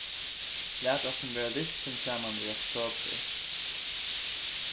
lat okkum vera virkin saman í oktobur